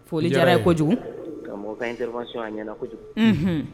Foli jara ye kojugu ka ɲɛna kojugu